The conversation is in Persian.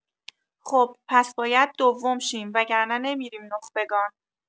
خب پس باید دوم شیم وگرنه نمی‌ریم نخبگان